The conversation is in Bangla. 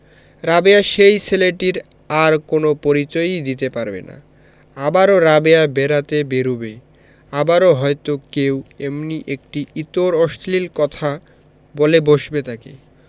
রাবেয়া সেই ছেলেটির আর কোন পরিচয়ই দিতে পারবে না আবারও রাবেয়া বেড়াতে বেরুবে আবারো হয়তো কেউ এমনি একটি ইতর অশ্লীল কথা বলে বসবে তাকে